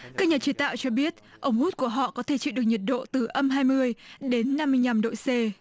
các nhà chế tạo cho biết ông hút của họ có thể chịu được nhiệt độ từ âm hai mươi đến năm mươi nhăm độ xê